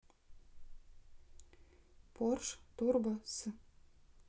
порш турбо с